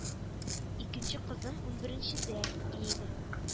Икенче кызым унберенчедә, иң